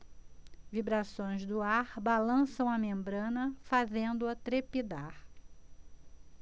vibrações do ar balançam a membrana fazendo-a trepidar